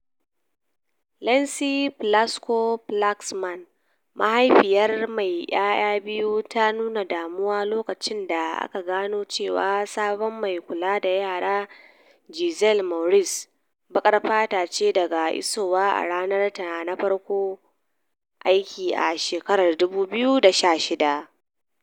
Lynsey Plasco-Flaxman, mahaifiyar mai yaya biyu, ta nuna damuwa lokacin da aka gano cewa sabon mai kulawa da yara, Giselle Maurice, baƙar fata ce daga isowa a ranar ta na farkon aiki a shekarar 2016.